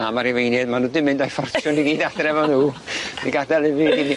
Na ma' Rufeinied ma' nw 'di mynd a'i ffortiwn i gyd adre efo nw i gadel i fi i fi...